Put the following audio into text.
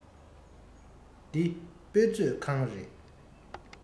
འདི དཔེ མཛོད ཁང རེད